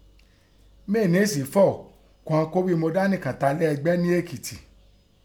Méè ní èsìí fọ̀ ún ighọn kọ́ wí mọ dánìkàn ta ẹlẹ̀ ẹgbẹ́ nín Ekiti